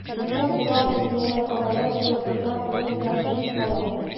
Ул болан эзләгән арада, теге кызлар поезддан төшеп кала.